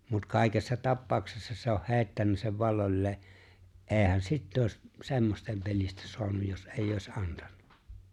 mutta kaikessa tapauksessa se on heittänyt sen valloilleen eihän sitä olisi semmoisten pelistä saanut jos ei olisi antanut